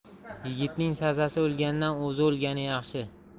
yigitning sazasi o'lgandan o'zi o'lgani yaxshi